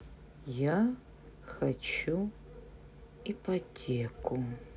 я хочу ипотеку